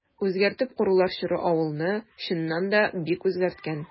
Үзгәртеп корулар чоры авылны, чыннан да, бик үзгәрткән.